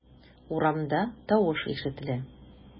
Урамда тавыш ишетелә.